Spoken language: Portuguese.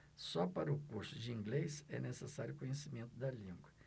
só para o curso de inglês é necessário conhecimento da língua